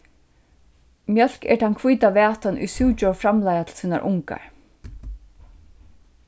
mjólk er tann hvíta vætan ið súgdjór framleiða til sínar ungar